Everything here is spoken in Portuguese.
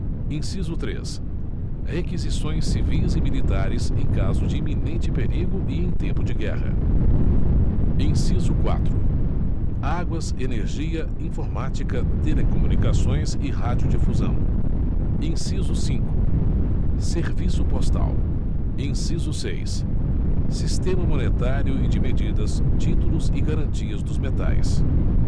inciso três requisições civis e militares em caso de iminente perigo e em tempo de guerra inciso quatro águas energia informática telecomunicações e radiodifusão inciso cinco serviço postal inciso seis sistema monetário e de medidas títulos e garantias dos metais